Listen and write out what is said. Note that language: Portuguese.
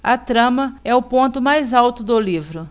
a trama é o ponto mais alto do livro